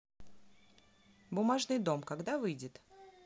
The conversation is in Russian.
бумажный дом когда выйдет